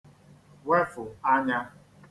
wefụ̀ anyā